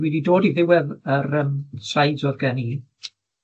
###wi 'di dod i ddiwedd yr yym slides o'dd gen i